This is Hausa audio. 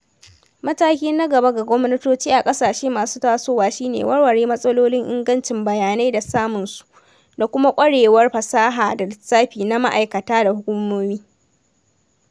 Mataki na gaba ga gwamnatoci a ƙasashe masu tasowa shine warware matsalolin ingancin bayanai da samun su, da kuma ƙwarewar fasaha da lissafi na ma’aikata da hukumomi.